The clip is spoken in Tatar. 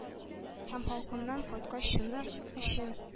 Һәм халкымнан, кайткач, шуның өчен